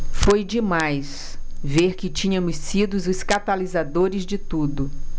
foi demais ver que tínhamos sido os catalisadores de tudo